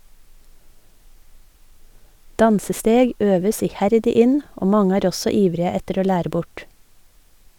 Dansesteg øves iherdig inn, og mange er også ivrige etter å lære bort.